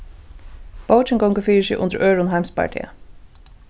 bókin gongur fyri seg undir øðrum heimsbardaga